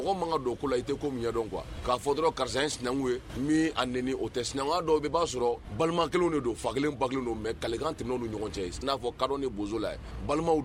'a karisa sinan ye o tɛ sinanku b'a sɔrɔ balima kelen de don fa kelen bange donkan tɛmɛn ɲɔgɔn cɛ ka bo